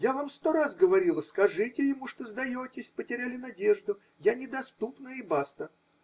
Я вам сто раз говорила: скажите ему, что сдаетесь, потеряли надежду, я недоступна, и баста.